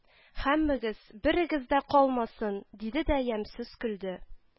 Һәммәгез, берегез дә калмасын,— диде дә ямьсез көлде